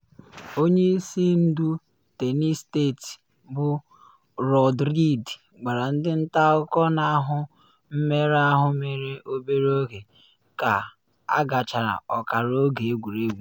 Onye isi ndu Tennessee State bụ Rod Reed gwara ndị nta akụkọ na ahụ mmerụ ahụ mere obere oge ka agachara ọkara oge egwuregwu.